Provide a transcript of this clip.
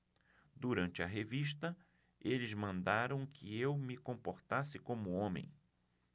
durante a revista eles mandaram que eu me comportasse como homem